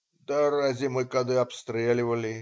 "Да рази мы кады обстреливали!